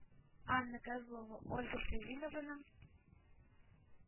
Анна Козлова, Ольга Савинованың